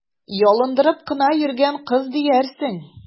Ялындырып кына йөргән кыз диярсең!